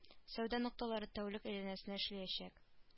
Сәүдә нокталары тәүлек әйләнәсенә эшләячәк